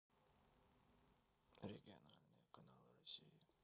региональные каналы россии